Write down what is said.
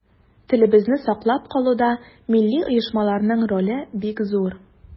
Телебезне саклап калуда милли оешмаларның роле бик зур.